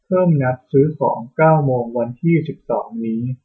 เพิ่มนัดซื้อของเก้าโมงวันที่สิบสองนี้